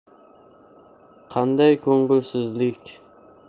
qanday ko'ngilsizlik